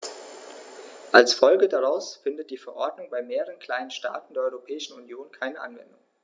Als Folge daraus findet die Verordnung bei mehreren kleinen Staaten der Europäischen Union keine Anwendung.